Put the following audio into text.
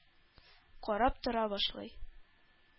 Карап тора башлый...